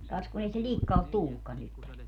kas kun ei se likka ole tullutkaan nyt tänne